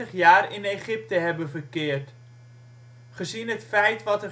jaar in Egypte hebben verkeerd. Gezien het feit wat